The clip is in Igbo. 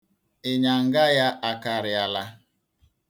Ịnyanga ya akarịala.